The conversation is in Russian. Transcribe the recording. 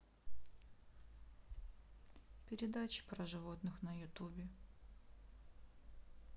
передачи про животных на ютубе